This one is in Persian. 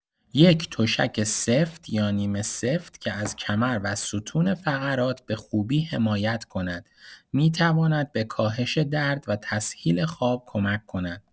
یک تشک سفت یا نیمه‌سفت که از کمر و ستون فقرات به‌خوبی حمایت کند، می‌تواند به کاهش درد و تسهیل خواب کمک کند.